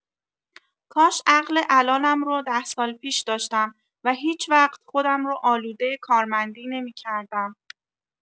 کاش عقل الانم رو ده سال پیش داشتم و هیچوقت خودم رو آلوده کارمندی نمی‌کردم.